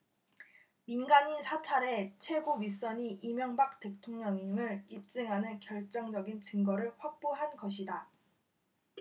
민간인 사찰의 최고 윗선이 이명박 대통령임을 입증하는 결정적인 증거를 확보한 것이다